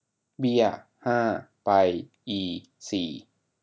เบี้ยห้าไปอีสี่